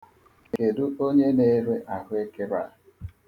Kedụ onye na-ere ahụekere a?